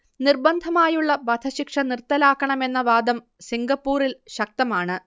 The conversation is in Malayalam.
നിർബന്ധമായുള്ള വധശിക്ഷ നിർത്തലാക്കണമെന്ന വാദം സിംഗപ്പൂറിൽ ശക്തമാണ്